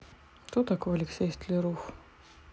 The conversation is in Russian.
кто такой алексей столяров